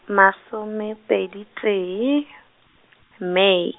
masomepedi tee , Mei.